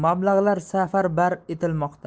mablag lar safarbar etilmoqda